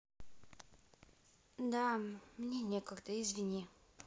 да мне некогда извини